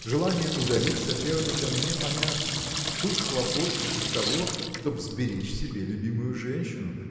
Желание удалить соперника мне понятно тут хлопочешь из того чтоб сберечь себе любимую женщину